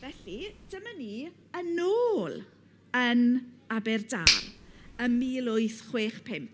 Felly, dyma ni yn ôl yn Aberdâr ym mil wyth chwech pump.